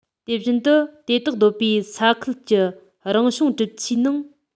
དེ བཞིན དུ དེ དག སྡོད པའི ས ཁུལ གྱི རང བྱུང གྲུབ ཆའི ནང